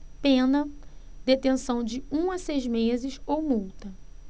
pena detenção de um a seis meses ou multa